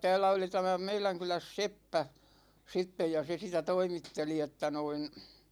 täällä oli tämä meidän kylässä seppä sitten ja se sitä toimitteli että noin